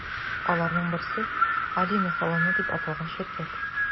Аларның берсе – “Алина салоны” дип аталган ширкәт.